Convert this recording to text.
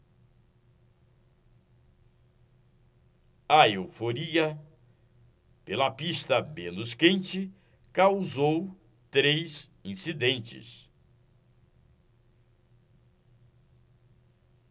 a euforia pela pista menos quente causou três incidentes